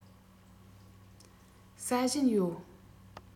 ཟ བཞིན ཡོད